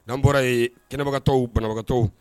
N'an bɔra yen kɛnɛbagatɔ banabagatɔ